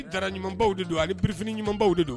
Jara ɲumanbaw de don ani birifini ɲumanbaw de don.